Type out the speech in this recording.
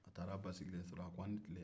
a taara a ba sigilen sɔrɔ a k'an ni tile